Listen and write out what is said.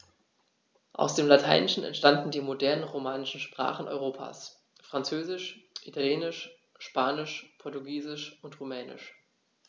Aus dem Lateinischen entstanden die modernen „romanischen“ Sprachen Europas: Französisch, Italienisch, Spanisch, Portugiesisch und Rumänisch.